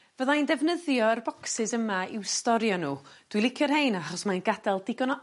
Fydda i'n defnyddio'r bocsys yma i'w storio n'w dwi licio rhein achos mae'n gadel digon o